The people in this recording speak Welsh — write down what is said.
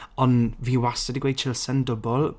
Ond fi wastad 'di gweud Chilsen Dwbwl.